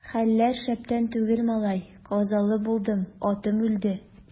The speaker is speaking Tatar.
Хәлләр шәптән түгел, малай, казалы булдым, атым үлде.